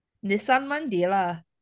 Nelson Mandela.